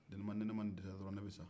deniba ni ne ma nin disa in sɔrɔ ne bɛ sa